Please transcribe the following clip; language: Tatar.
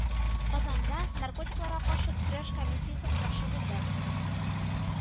Казанда наркотикларга каршы көрәш комиссиясе утырышы булды